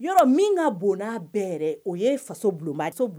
Yɔrɔ min ka bon n'a bɛɛ yɛrɛ ye o ye faso bulonba ye